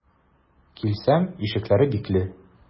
Килсәм, ишекләре бикле.